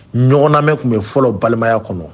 Ɲɔgɔnnamɛ tun bɛ fɔlɔ balimaya kɔnɔ